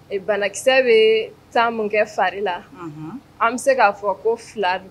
Banakisɛ bɛ temps min kɛ fari la, an bɛ se k'a fɔ ko fila